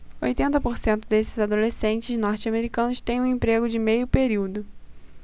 oitenta por cento desses adolescentes norte-americanos têm um emprego de meio período